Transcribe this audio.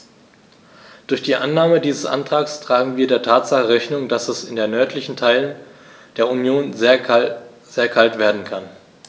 Durch die Annahme dieses Antrags tragen wir der Tatsache Rechnung, dass es in den nördlichen Teilen der Union sehr kalt werden kann.